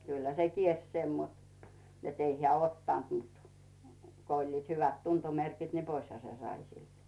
kyllähän se kielsi sen mutta että ei hän ottanut mutta kun olivat hyvät tuntomerkit ne poishan se sai siltä